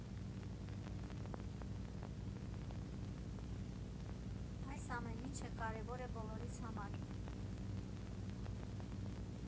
Այս ամեն ինչը կարևոր է բոլորիս համար.